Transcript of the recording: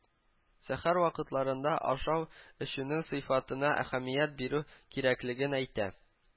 Сәхәр вакытларында ашау-эчүнең сыйфатына әһәмият бирү кирәклеген әйтә